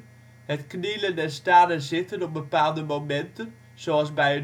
knielen en staan en zitten op bepaalde momenten zoals bij